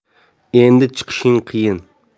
endi chiqishing qiyin